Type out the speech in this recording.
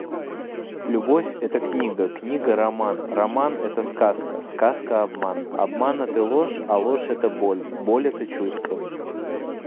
любовь это книга книга роман роман это сказка сказка обман обмана ты ложь а ложь это боль боль это чувство